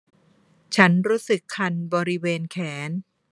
ฉันรู้สึกคันบริเวณแขน